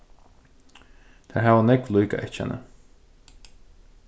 tær hava nógv líka eyðkenni